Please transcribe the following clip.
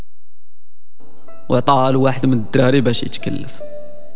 وطال واحد من تكلف